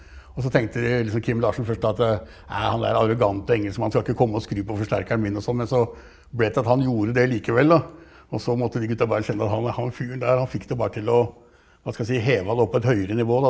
også tenkte de liksom Kim Larsen først at han derre arrogante engelskmannen skal ikke komme å skru på forsterkeren min og sånn, men så ble det til at han gjorde det likevel da, også måtte de gutta bare skjønne at han han fyren der, han fikk det bare til å hva skal jeg si heva det opp på et høyere nivå da.